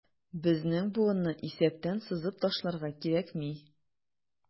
Безнең буынны исәптән сызып ташларга кирәкми.